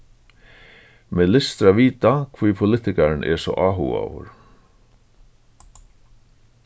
meg lystir at vita hví politikarin er so áhugaður